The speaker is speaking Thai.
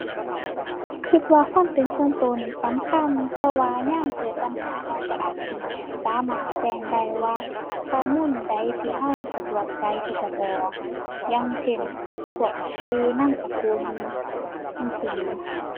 คิดว่าความเป็นส่วนคิดนี่สำคัญ แต่ว่ายามเกิดปัญหาคิดคิดอาจสิสามารถแจ้งได้ว่าข้อมูลใดที่คิดสะดวกใจที่จะบอก อย่างเช่น พวกชื่อ นามสกุล จั่งซี้แหม